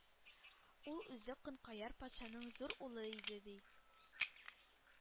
Ул үзе Канкояр патшаның зур улы иде, ди.